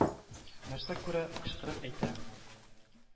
Нәрсә күрә, кычкырып әйтә,